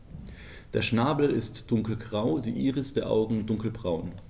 Der Schnabel ist dunkelgrau, die Iris der Augen dunkelbraun.